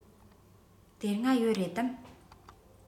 དེ སྔ ཡོད རེད དམ